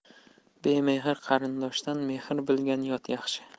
bemehr qarindoshdan mehr bilgan yot yaxshi